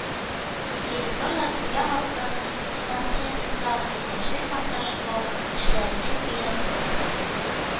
Ревизорлар “Төньяк вокзал” станциясендә төзелеш-монтажлау эшләренең бәясен